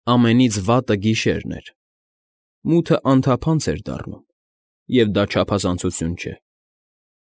Ամենից վատը գիշերն էր։ Մութը անթափանց էր դառնում, և դա չափազանցություն չէ։